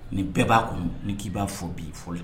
Ni bɛɛ b'a kɔnɔ ni k'i b'a fɔ bi' fo